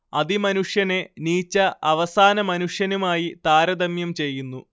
അതിമനുഷ്യനെ നീച്ച അവസാനമനുഷ്യനുമായി താരതമ്യം ചെയ്യുന്നു